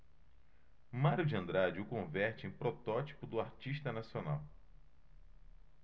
mário de andrade o converte em protótipo do artista nacional